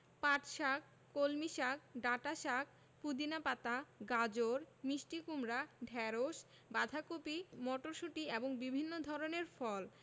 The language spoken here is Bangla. পাটশাক কলমিশাক ডাঁটাশাক পুদিনা পাতা গাজর মিষ্টি কুমড়া ঢেঁড়স বাঁধাকপি মটরশুঁটি এবং বিভিন্ন ধরনের ফল